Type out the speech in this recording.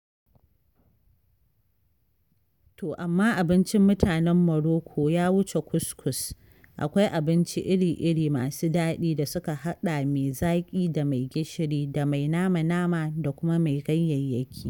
To amma abincin mutanen Morocco ya wuce kuskus, akwai abinci iri-iri masu daɗi da suka haɗa mai zaƙi da mai gishiri da mai nama-nama da kuma mai ganyayyaki.